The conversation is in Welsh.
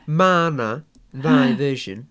Ma' 'na ddau version.